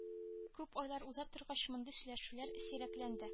Күп айлар уза торгач мондый сөйләшүләр сирәкләнде